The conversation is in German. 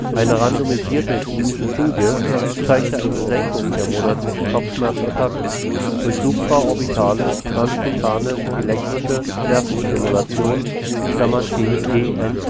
Eine randomisierte klinische Studie zeigte eine Senkung der monatlichen Kopfschmerz-Attacken durch supraorbitale transkutane elektrische Nervenstimulation (TENS